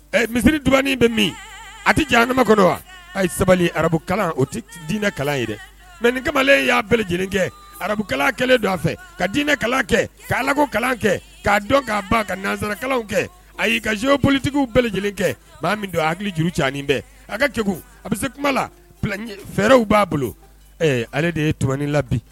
Ɛ misiri du bɛ min a tɛ jan anka kɔnɔ don wa a ye sabali arabu o tɛ diinɛ kalan ye dɛ mɛ nin kamalen y' aa bɛɛ lajɛlen kɛ arabu kɛlen don a fɛ ka diinɛ kalan kɛ ka alako kalan kɛ k'a dɔn k'a ba ka nanzsararakakaw kɛ a y'i ka soolitigiww bɛɛ lajɛlen kɛ min don hakili juruuru ca bɛɛ a ka kɛku a bɛ se kuma la p fɛɛrɛw b'a bolo ale de ye t la bi